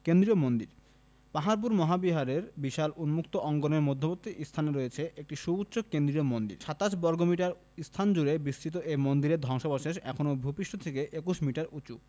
কেন্দ্রীয় মন্দিরঃ পাহাড়পুর মহাবিহারের বিশাল উন্মুক্ত অঙ্গনের মধ্যবর্তী স্থানে রয়েছে একটি সুউচ্চ কেন্দ্রীয় মন্দির ২৭ বর্গমিটার স্থান জুড়ে বিস্তৃত এ মন্দিরের ধ্বংসাবশেষ এখনও ভূ পৃষ্ঠ থেকে ২১ মিটার উঁচু